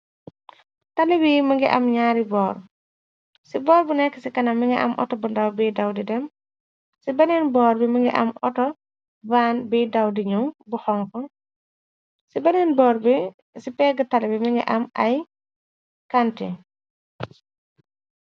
Talibi mongi am ñaari boor ci boor bu nekk ci kana mongi am auto bu ndaw bi daw di dem ci beneen boor bi mongi am auto vaan biy daw di ñuw bu xonku c beneen boor ci pegg talibi mongi am ay kantin.